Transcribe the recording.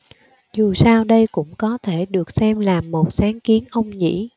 dù sao đây cũng có thể được xem là một sáng kiến ông nhỉ